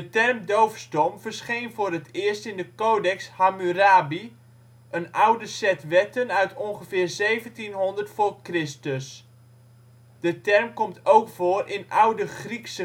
term " doofstom " verscheen voor het eerst in de Codex Hammurabi, een oude set wetten uit ongeveer 1700 voor Christus. De term komt ook voor in oude Griekse